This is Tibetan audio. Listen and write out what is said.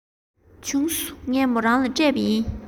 བྱུང སོང ངས མོ རང ལ སྤྲད པ ཡིན